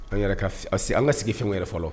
An an ka sigi fɛnw yɛrɛ fɔlɔ